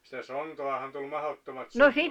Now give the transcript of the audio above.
sitä sontaahan tuli mahdottomat summat